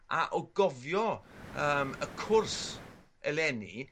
a o gofio yym y cwrs eleni...